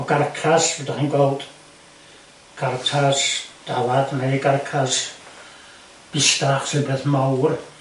O garcas fel dach chi'n gweld carcas dafad neu garcas busdach sy'n beth mowr.